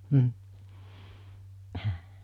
mm -